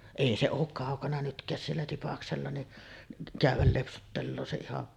ei se ole kaukana nytkään siellä Tipaksella niin käydä lepsuttelee se ihan